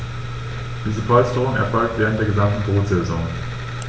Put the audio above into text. Diese Polsterung erfolgt während der gesamten Brutsaison.